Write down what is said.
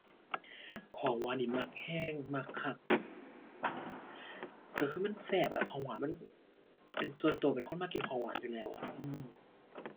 ของหวานนี่มักแรงมักคัก แรงคือมันแซ่บอะ ของหวานมัน ส่วนแรงเป็นคนมักกินของหวานอยู่แล้วอะ อือ